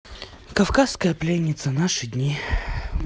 кавказская пленница наши дни